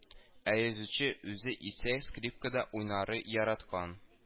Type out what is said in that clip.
Ә язучы үзе исә скрипкада уйнарга яраткан